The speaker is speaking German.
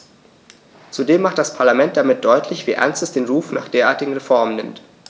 Zudem macht das Parlament damit deutlich, wie ernst es den Ruf nach derartigen Reformen nimmt.